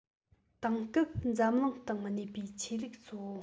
དེང སྐབས འཛམ གླིང སྟེང གནས པའི ཆོས ལུགས གཙོ བོ